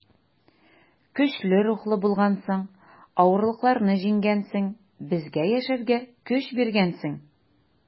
Көчле рухлы булгансың, авырлыкларны җиңгәнсең, безгә яшәргә көч биргәнсең.